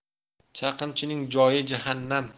chaqimchining joyi jahannam